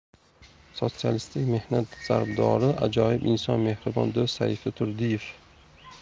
sotsialistik mehnat zarbdori ajoyib inson mehribon do'st sayfi turdiev